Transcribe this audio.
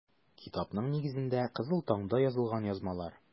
Китапның нигезендә - “Кызыл таң”да басылган язмалар.